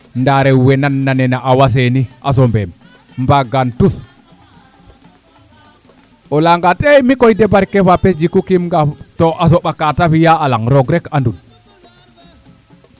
nda rewe nan nena Awa Seni a Sombeme mba gaan tus o leya nga te e mikoy de barke faapes jiku kiim ngaaf to a soɓa kaate fiya a laŋ roog rek andun